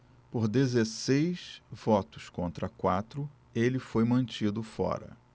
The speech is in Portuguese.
por dezesseis votos contra quatro ele foi mantido fora